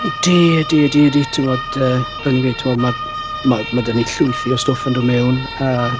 Yndi ydi ydi timod yy fel fi'n gweud timod ma' ma' ma' 'da ni llwythi o stwff yn dod yn dod